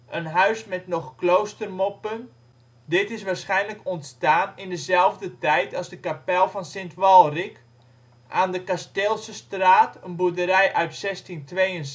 een huis met nog kloostermoppen. Dit is waarschijnlijk ontstaan in dezelfde tijd als de kapel van St. Walrick. Aan de Kasteelsestraat een boerderij uit 1672. Een